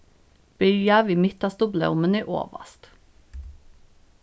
byrja við mittastu blómuni ovast